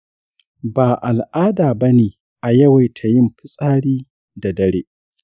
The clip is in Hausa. ba al’ada ba ne a yawaita yin fitsari da dare.